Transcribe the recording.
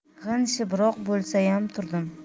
g'ingshibroq bo'lsayam turdim